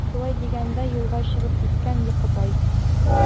Шулай дигән дә юлга чыгып киткән Йокыбай.